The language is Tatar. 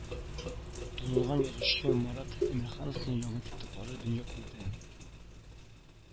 Танылган язучы Марат Әмирхановның яңа китаплары дөнья күрде